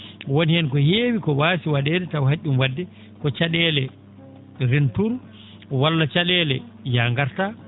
woni heen ko heewi ko waasi wa?eede tawa ha?i ?um wa?de ko ca?eele rentoon walla ca?eele yah ngarta